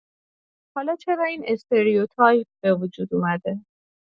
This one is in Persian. حالا چرا این استریوتایپ به وجود اومده؟